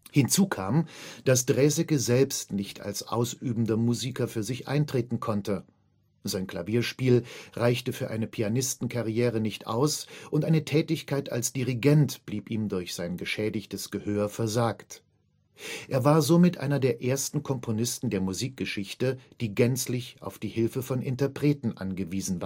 Hinzu kam, dass Draeseke selbst nicht als ausübender Musiker für sich eintreten konnte: Sein Klavierspiel reichte für eine Pianistenkarriere nicht aus und eine Tätigkeit als Dirigent blieb ihm durch sein geschädigtes Gehör versagt. Er war somit einer der ersten Komponisten der Musikgeschichte, die gänzlich auf die Hilfe von Interpreten angewiesen